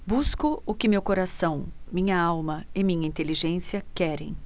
busco o que meu coração minha alma e minha inteligência querem